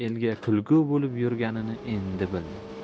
elga kulgi bo'lib yurganini endi bildi